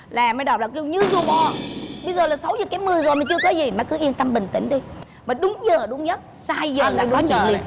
làm bắt đầu là kêu như rùa bò bây giờ là sáu giờ kém mười rồi mà chưa có gì mẹ cứ yên tâm bình tĩnh đi mà đúng giờ đúng giấc sai giờ là có chuyện liền